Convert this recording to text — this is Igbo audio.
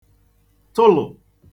tụlụ̀